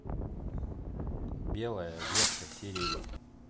белая ветка сирени